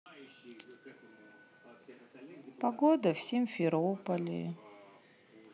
погода в симферополе